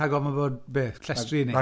Rhag ofn bod beth, llestri ynddi?